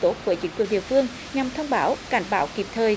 tốt với chính quyền địa phương nhằm thông báo cảnh báo kịp thời